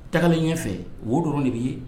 Tagalen ɲɛfɛ wo dɔrɔn de be ye